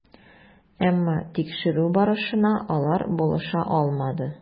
Әмма тикшерү барышына алар булыша алмады.